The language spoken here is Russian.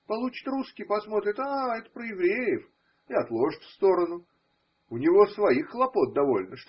получит русский – посмотрит: а, это про евреев? – и отложит в сторону. У него своих хлопот довольно.